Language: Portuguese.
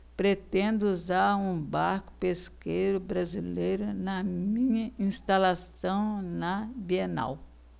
pretendo usar um barco pesqueiro brasileiro na minha instalação na bienal